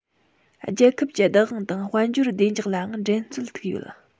རྒྱལ ཁབ ཀྱི བདག དབང དང དཔལ འབྱོར བདེ འཇགས ལའང འགྲན རྩོད ཐུག ཡོད